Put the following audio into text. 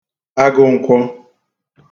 agụnkwọ̄